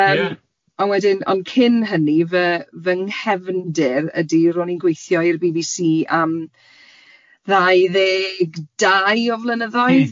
Yym ond wedyn ond cyn hynny fy fy nghefndir ydy ro'n i'n gweithio i'r Bee Bee See am ddau ddeg dau o flynyddoedd... M-hm.